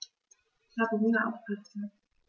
Ich habe Hunger auf Pasta.